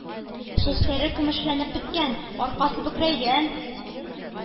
Чәчләре көмешләнеп беткән, аркасы бөкрәйгән,